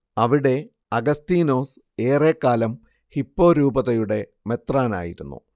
അവിടെ അഗസ്തീനോസ് ഏറെക്കാലം ഹിപ്പോ രൂപതയുടെ മെത്രാനായിരിരുന്നു